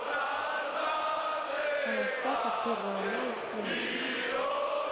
холостяк от первого мая с тимати